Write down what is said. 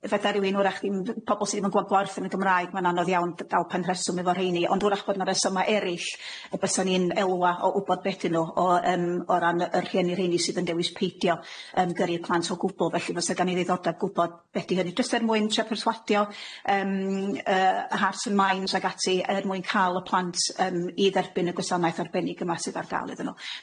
fedar rywun 'w'rach ddim, pobol sy' ddim yn gweld gwerth yn y Gymraeg ma'n anodd iawn g- dal pen rheswm efo rheini ond 'w'rach bod 'na resyma erill yy bysan ni'n elwa o wbod be' 'dyn nhw o yym o ran yy yr rhieni rheini sydd yn dewis peidio yym gyrru eu plant o gwbwl felly fysa gen i ddiddordeb gwbod be' 'di hynny jyst er mwyn trio perswadio yym yy hearts and minds ag ati er mwyn ca'l y plant yym i dderbyn y gwasanaeth arbennig yma sydd ar ga'l iddyn nhw.